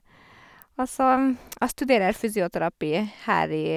Og så jeg studerer fysioterapi her i Trondheim.